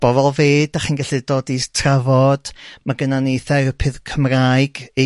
bobol fel fi 'da chi'n gallu dod i trafod ma' gyno ni therapydd Cymraeg ei